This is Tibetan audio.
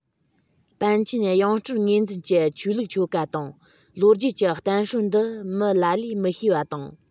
པཎ ཆེན ཡང སྤྲུལ ངོས འཛིན གྱི ཆོས ལུགས ཆོ ག དང ལོ རྒྱུས ཀྱི གཏན སྲོལ འདི མི ལ ལས མི ཤེས པ དང